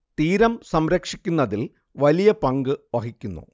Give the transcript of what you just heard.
തീരം സംരക്ഷിക്കുന്നതിൽ വലിയ പങ്ക് വഹിക്കുന്നു